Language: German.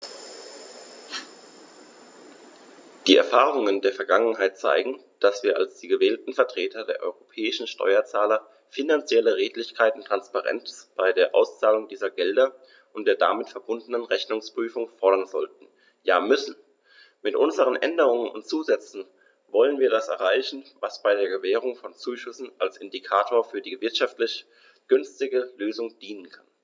Die Erfahrungen der Vergangenheit zeigen, dass wir als die gewählten Vertreter der europäischen Steuerzahler finanzielle Redlichkeit und Transparenz bei der Auszahlung dieser Gelder und der damit verbundenen Rechnungsprüfung fordern sollten, ja müssen. Mit unseren Änderungen und Zusätzen wollen wir das erreichen, was bei der Gewährung von Zuschüssen als Indikator für die wirtschaftlich günstigste Lösung dienen kann.